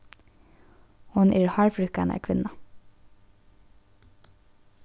hon er hárfríðkanarkvinna